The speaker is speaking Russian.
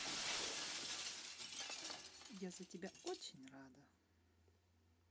я за тебя очень рада